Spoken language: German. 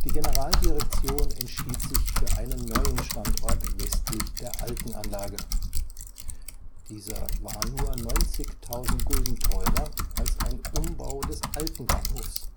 Generaldirektion entschied sich für einen neuen Standort westlich der alten Anlage – dieser war nur 90.000 Gulden teurer als ein Umbau des alten Bahnhofs